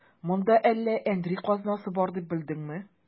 Монда әллә әндри казнасы бар дип белдеңме?